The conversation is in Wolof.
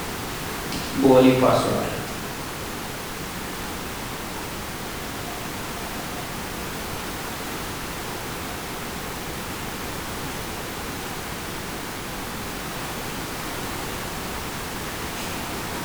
Bowli paasuwaar.